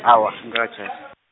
awa angikakatjhad-.